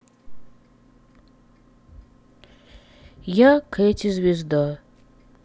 я кэти звезда